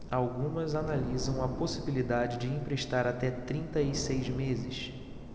algumas analisam a possibilidade de emprestar até trinta e seis meses